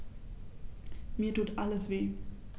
Mir tut alles weh.